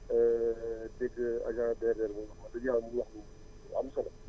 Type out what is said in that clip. dégg agent DRDR bi wax dëgg yàlla muy wax lu am solo